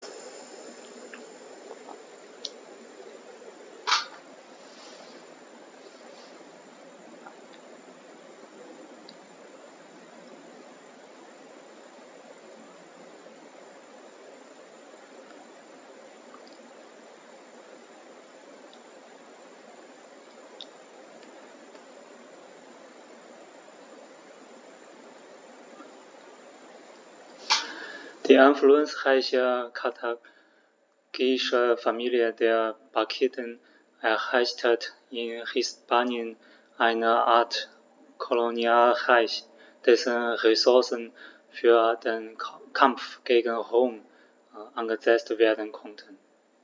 Die einflussreiche karthagische Familie der Barkiden errichtete in Hispanien eine Art Kolonialreich, dessen Ressourcen für den Kampf gegen Rom eingesetzt werden konnten.